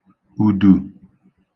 ùdù